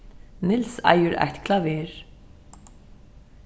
niels eigur eitt klaver